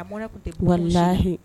Walah